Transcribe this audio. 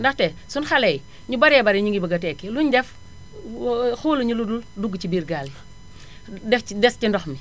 ndaxte sunu xale yi ñu baree bari ñi ngi bëgg a tekki luñu def xooluñu ludul dugg ci biir gaal yi des ci des ci ndox mi